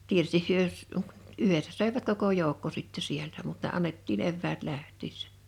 tietysti he - yhdessä söivät koko joukko sitten sieltä mutta ne annettiin eväät lähtiessä